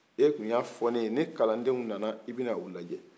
e tun y' a fɔ ne ye ni kalandenw nana i bɛ na u lajɛ